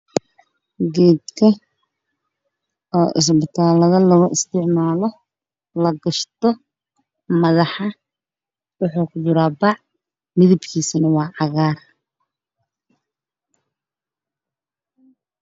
Waa maro midabkeedu yahay cagaar oo ku jira bac